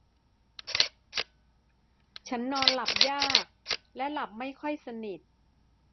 ฉันนอนหลับยากและหลับไม่ค่อยสนิท